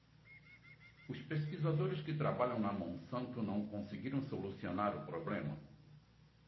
os pesquisadores que trabalham na monsanto não conseguiram solucionar o problema